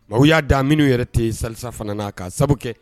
Maaw y'a da minnu yɛrɛ tɛ salsa fana na k'a sabu kɛ